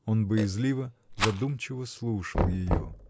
Он боязливо, задумчиво слушал ее.